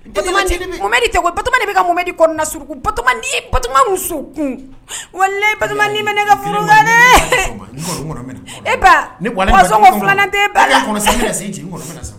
To bɛ ka mun di kɔnɔnana suruugukuto di kun wa ne ka dɛ